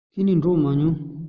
ཁས ལེན འགྲོ མྱོང ཡོད